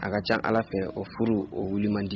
A ka jan ala fɛ o furu o wuli man di